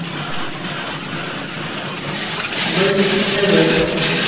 выключить тв